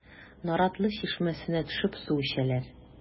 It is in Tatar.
Наратлы чишмәсенә төшеп су эчәләр.